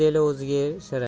eli o'ziga shirin